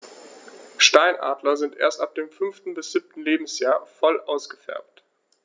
Steinadler sind erst ab dem 5. bis 7. Lebensjahr voll ausgefärbt.